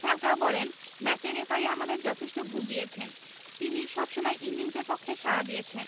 Falcao বলেন ম্যাচে referee আমাদের যথেষ্ট ভুগিয়েছেন তিনি সবসময় ইংলিশদের পক্ষে সাড়া দিয়েছেন